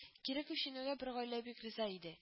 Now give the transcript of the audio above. Кире күченүгә бер гаилә бик рыза иде